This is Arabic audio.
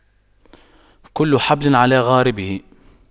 كل حبل على غاربه